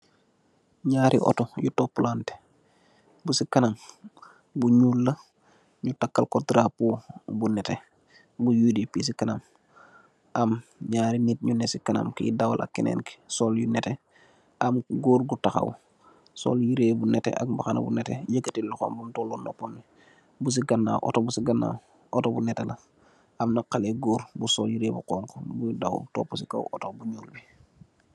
Njaari Oohtor yu topulanteh, bu cii kanam bu njull la nju takal kor drapeau bu nehteh bu UDP cii kanam, am njarri nit nju neh cii kanam ki dawal ak kenen ki sol yu nehteh, am gorre gu takhaw sol yehreum bu nehteh ak mbahanah bu nehteh, yehkeuti lokhom bum torlol nopam bii, bu cii ganaw oohtoh bu cii ganaw, oohtoh bu nehteh la, amna haleh gorre bu sol yehreh bu honhu bui daw tohpu cii kaw oohtoh bu njull bii.